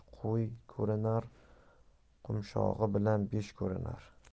ko'rinar qo'mshog'i bilan besh ko'rinar